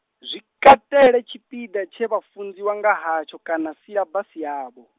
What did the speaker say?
zwikateli tshipiḓa tshe vha funziwa nga hatsho kana siḽabasi yavho.